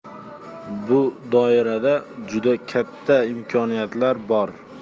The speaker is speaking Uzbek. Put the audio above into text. bu doirada juda katta imkoniyatlar bor